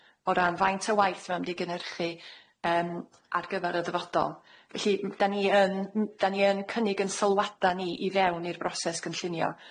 O ran faint o waith ma'n mynd i gynhyrchu yym ar gyfar y dyfodol. Felly m- 'dan ni yn m- 'dan ni yn cynnig 'yn sylwada' ni i fewn i'r broses gynllunio.